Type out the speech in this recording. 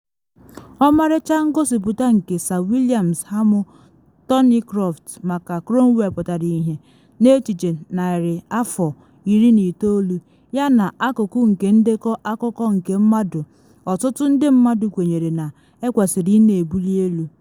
Ọmarịcha ngosipụta nke Sir William Hamo Thorneycroft maka Cromwell pụtara ihie n’echiche narị afọ 19 yana akụkụ nke ndekọ akụkọ nke mmadụ ọtụtụ ndị mmadụ kwenyere na ekwesịrị ị na ebuli elu.